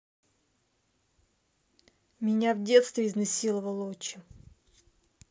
меня в детстве изнасиловал отчим